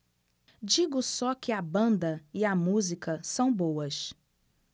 digo só que a banda e a música são boas